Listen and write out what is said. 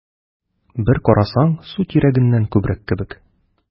Бер карасаң, су кирәгеннән күбрәк кебек: